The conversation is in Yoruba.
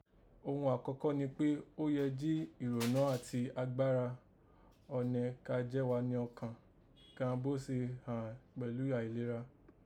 Irun àkọ́kọ́ ni kpé, ó yẹ jí ìrònọ́ àti agbára ọnẹ ka jẹ ghá nọkàn gan bó se gha kpẹ̀lú àìlera